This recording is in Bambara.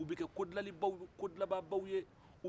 u bɛ kɛ kodilanlibaw kodilanbagabaw